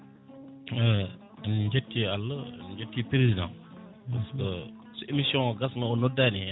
en jetti Allah en jetti président so émission gasno o noddani hen